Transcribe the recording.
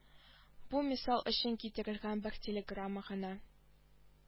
Бу мисал өчен китерелгән бер телеграмма гына